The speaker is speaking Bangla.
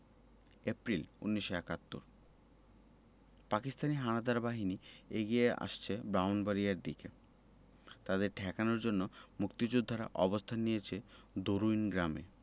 এপ্রিল ১৯৭১ পাকিস্তানি হানাদার বাহিনী এগিয়ে আসছে ব্রাহ্মনবাড়িয়ার দিকে তাদের ঠেকানোর জন্য মুক্তিযোদ্ধারা অবস্থান নিয়েছেন দরুইন গ্রামে